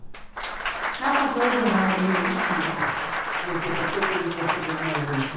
hasar broytingarnar eru ikki nokk